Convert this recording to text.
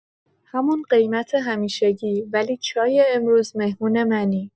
همون قیمت همیشگی، ولی چای امروز مهمون منی.